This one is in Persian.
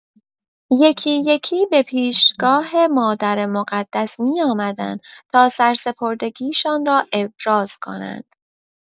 یکی‌یکی به پیشگاه مادر مقدس می‌آمدند تا سرسپردگی‌شان را ابراز کنند.